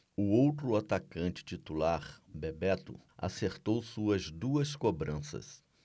o outro atacante titular bebeto acertou suas duas cobranças